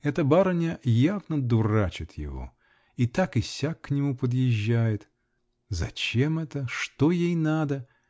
Эта барыня явно дурачит его, и так и сяк к нему подъезжает. Зачем это? что ей надо?